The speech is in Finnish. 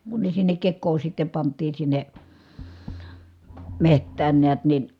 kun ne sinne kekoon sitten pantiin sinne metsään näet niin